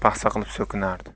paxsa qilib so'kinardi